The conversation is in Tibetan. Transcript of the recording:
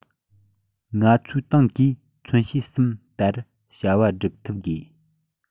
ང ཚོའི ཏང གིས མཚོན བྱེད གསུམ ལྟར བྱ བ སྒྲུབ ཐུབ དགོས